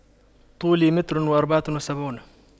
طولي متر وأربعة وسبعون